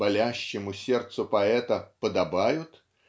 болящему сердцу поэта подобают